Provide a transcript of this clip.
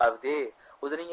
avdiy o'zining